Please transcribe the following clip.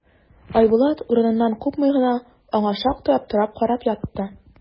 Айбулат, урыныннан купмый гына, аңа шактый аптырап карап ятты.